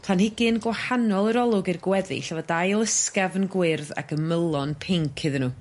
Planhigyn gwahanol yr olwg i'r gweddill efo dail ysgafn gwyrdd ac ymylon pinc iddyn n'w.